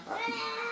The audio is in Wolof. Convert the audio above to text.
waaw